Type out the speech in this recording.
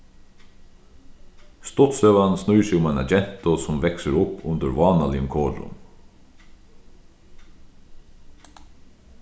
stuttsøgan snýr seg um eina gentu sum veksur upp undir vánaligum korum